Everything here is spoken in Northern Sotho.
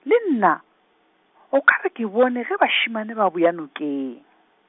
le nna, o ka re ke bone ge bašemane ba boya nokeng.